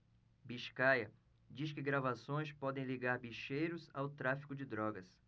biscaia diz que gravações podem ligar bicheiros ao tráfico de drogas